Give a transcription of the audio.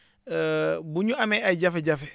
bu ñu amee ay jafe-jafe